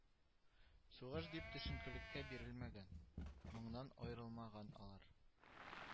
Сугыш дип төшенкелеккә бирелмәгән, моңнан аерылмаган алар